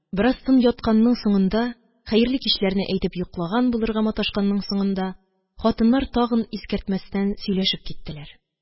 Бераз тын ятканның соңында, хәерле кичәләрне әйтеп йоклаган булырга маташканның соңында, хатыннар тагын искәртмәстән сөйләшеп киттеләр...